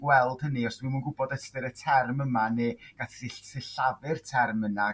gweld hynny os 'di n'w'm yn gw'bod ystyr y term yma ne' gallu sillafu'r term yna ag